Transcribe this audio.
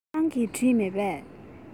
ཁྱེད རང གིས བྲིས མེད པས